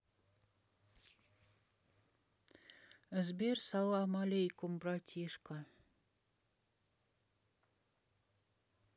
сбер салам алейкум братишка